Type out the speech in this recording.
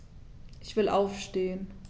Ich will aufstehen.